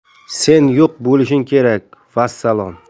sen yo'q bo'lishing kerak vassalom